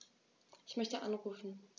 Ich möchte anrufen.